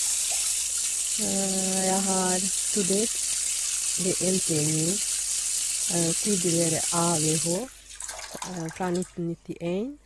Jeg har studert ved NTNU, tidligere AVH, fra fra nitten nittien.